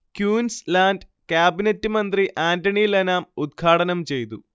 ക്യൂൻസ് land cabinet മന്ത്രി Anthony Lynham ഉത്ഘാടനം ചെയ്തു